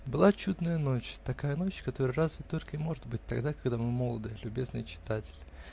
Была чудная ночь, такая ночь, которая разве только и может быть тогда, когда мы молоды, любезный читатель.